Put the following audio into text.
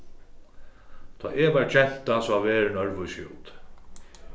tá eg var genta sá verðin øðrvísi út